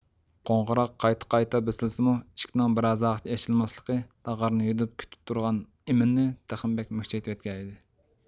قوڭغۇراق قايتا قايتا بېسىلسىمۇ ئىشىكنىڭ بىر ھازاغىچە ئېچىلماسلىقى تاغارنى يۈدۈپ كۈتۈپ تۇرغان ئىمىننى تېخىمۇ بەك مۈكچەيتىۋەتكەن ئىدى